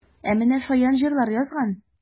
Ә менә шаян җырлар язган!